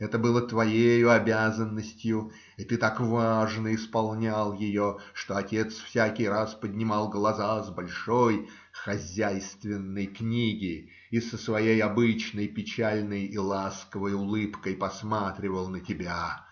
Это было твоею обязанностью, и ты так важно исполнял ее, что отец всякий раз поднимал глаза с большой "хозяйственной" книги и с своей обычной печальной и ласковой улыбкой посматривал на тебя.